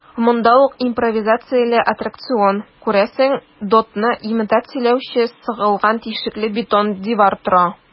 Монда ук импровизацияле аттракцион - күрәсең, дотны имитацияләүче сыгылган тишекле бетон дивар тора.